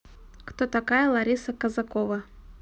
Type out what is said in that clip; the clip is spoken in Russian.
кто такая лариса казакова